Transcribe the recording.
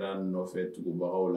N nɔfɛ tugubagaw la